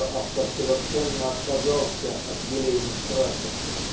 что автор совершенно отказался от елейных красок